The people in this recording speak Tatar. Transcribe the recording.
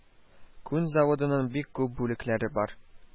Күн заводының бик күп бүлекләре бар